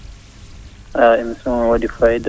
émission o waɗi fayida